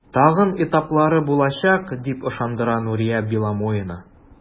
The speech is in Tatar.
Тагын этаплары булачак, дип ышандыра Нурия Беломоина.